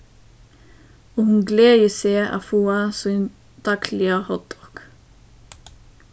og hon gleðir seg at fáa sín dagliga hotdogg